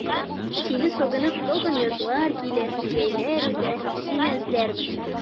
Сине сагынып тагын язлар килер, җәйләр үтәр, сине эзләрмен.